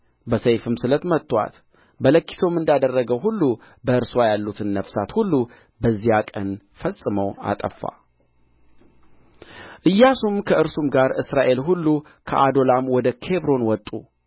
በሰይፍም ስለት መቱአት በለኪሶም እንዳደረገው ሁሉ በእርስዋ ያሉትን ነፍሳት ሁሉ በዚያ ቀን ፈጽሞ አጠፋ ኢያሱም ከእርሱም ጋር እስራኤል ሁሉ ከኦዶላም ወደ ኬብሮን ወጡ